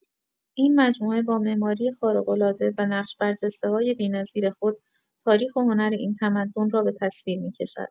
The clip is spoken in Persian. این مجموعه با معماری خارق‌العاده و نقش‌برجسته‌های بی‌نظیر خود، تاریخ و هنر این تمدن را به تصویر می‌کشد.